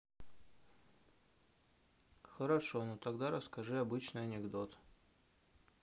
хорошо ну тогда расскажи обычный анекдот